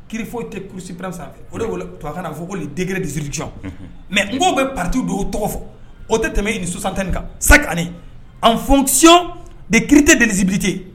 Kiiri foyi tɛp sanfɛ o de to kana fɔ ko dgɛrɛ disiriiricɔn mɛ n' bɛ pati don o tɔgɔ fɔ o tɛ tɛmɛ i ni susan tanni kan sa ani an fɔc de kite dezbirite